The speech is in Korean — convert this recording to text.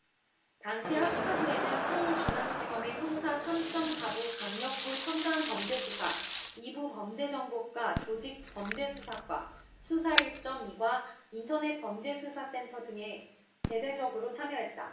당시 합수부에는 서울중앙지검의 형사 삼 쩜 사 부 강력부 첨단범죄수사 이 부 범죄정보과 조직범죄수사과 수사 일 쩜 이 과 인터넷범죄수사센터 등이 대대적으로 참여했다